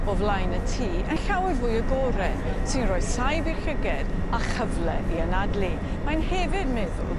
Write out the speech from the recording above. o flaen y tŷ yn llawer fwy agored sy'n roi saib i'r llyged a chyfle i anadlu mae'n hefyd meddwl